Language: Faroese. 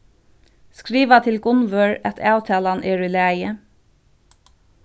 skriva til gunnvør at avtalan er í lagi